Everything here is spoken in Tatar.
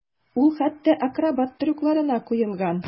Ул хәтта акробат трюкларына куелган.